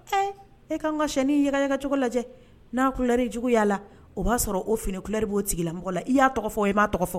E kaan ka sinannin ɲagacogo lajɛ n'alɛrijuguya la o b'a sɔrɔ o f finili b' sigilamɔgɔ la i y'a tɔgɔ fɔ o m'a tɔgɔ fɔ